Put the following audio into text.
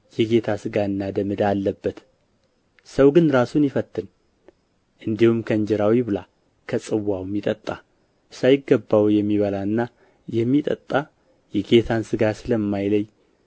የጌታ ሥጋና ደም ዕዳ አለበት ሰው ግን ራሱን ይፈትን እንዲሁም ከእንጀራው ይብላ ከጽዋውም ይጠጣ ሳይገባው የሚበላና የሚጠጣ የጌታን ሥጋ ስለማይለይ